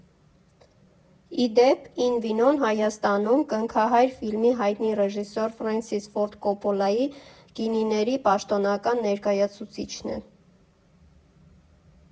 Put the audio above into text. Ի դեպ, Ին վինոն Հայաստանում «Կնքահայր» ֆիլմի հայտնի ռեժիսոր Ֆրենսիս Ֆորդ Կոպպոլայի գինիների պաշտոնական ներկայացուցիչն է։